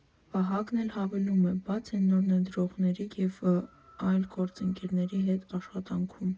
Վահագնն էլ հավելում է՝ բաց են նոր ներդրողների և այլ գործընկերների հետ աշխատանքում։